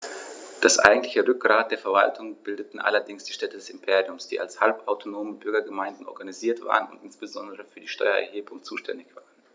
Das eigentliche Rückgrat der Verwaltung bildeten allerdings die Städte des Imperiums, die als halbautonome Bürgergemeinden organisiert waren und insbesondere für die Steuererhebung zuständig waren.